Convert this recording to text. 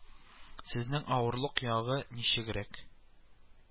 Сезнең авырлык ягы ничегрәк